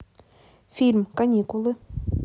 фильм каникулы